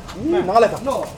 Nana ka